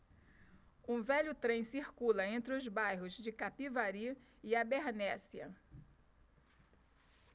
um velho trem circula entre os bairros de capivari e abernéssia